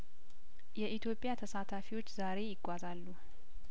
የኢትዮጵያ ተሳታፊዎች ዛሬ ይጓዛሉ